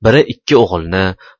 biri ikki o'g'ilni